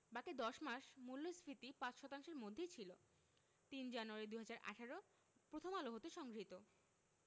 বাকি ১০ মাস মূল্যস্ফীতি ৫ শতাংশের মধ্যেই ছিল ০৩ জানুয়ারি ২০১৮ প্রথম আলো হতে সংগৃহীত